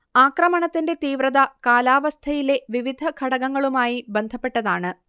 ആക്രമണത്തിന്റെ തീവ്രത കാലാവസ്ഥയിലെ വിവിധ ഘടകങ്ങളുമായി ബന്ധപ്പെട്ടതാണ്